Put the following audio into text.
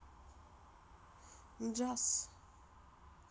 джаз